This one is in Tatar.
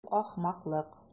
Бу ахмаклык.